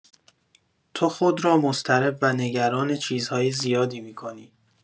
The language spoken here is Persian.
تو خود را مضطرب و نگران چیزهای زیادی می‌کنی.